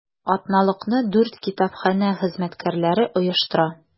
Атналыкны дүрт китапханә хезмәткәрләре оештыра.